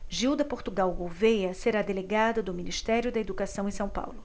gilda portugal gouvêa será delegada do ministério da educação em são paulo